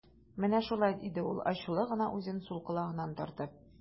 Менә шулай, - диде ул ачулы гына, үзен сул колагыннан тартып.